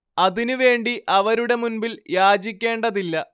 അതിനു വേണ്ടി അവരുടെ മുമ്പിൽ യാചിക്കേണ്ടതില്ല